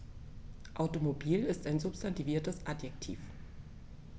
Automobil ist ein substantiviertes Adjektiv.